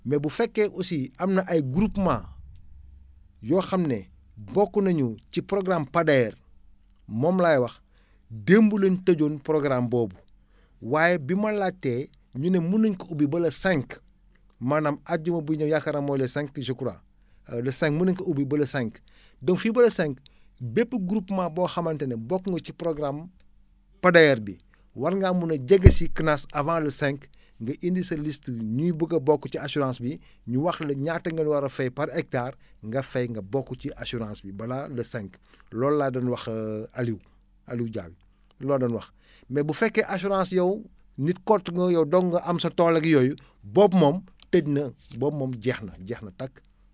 mais bu fekkee aussi am na ay groupements yoo xam ne bokk naénu ci programme Pader moom laay wax démb la ñu tëjoon programme boobu waaye bi ma laajtee ñu ne mun nañ ko ubbi ba le 5 maanaam àjjuma bu ñëw yaakaar naa mooy le 5 je crois le 5 mun nañu ko ubbi ba le 5 donc fii ba le 5 bépp groupement boo xamante ne bokk nga ci programme Pader bi war ngaa mun a jese si CNAAS avant le 5 nga indi sa liste ñi bugg a abokk ci assurance bi ñu wax la ñaata ngeen war a fay par hectare nga fay nga bokk ci assurance bi balaa le 5 loolu laa doon wax Aliou Aliou Diaby loolu laa doon wax mais bu fekkee assurance yow nit kott nga yow dong nga am sa tool ak yooyu boobu moom tëj na boobu moom jeex na jeex na tàkk